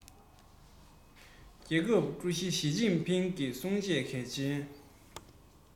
སྤྱི ཁྱབ ཧྲུའུ ཅི ཞིས ཅིན ཕིང གི གསུང བཤད གལ ཆེན